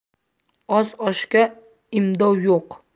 oz oshga imdov yo'q